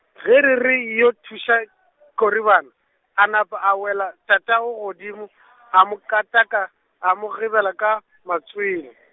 ge re re yo thuša , Koribana, a napa a wela tatago godimo , a mo kataka, a mo gebela ka, matswele.